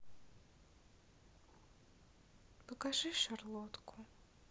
покажи шарлотку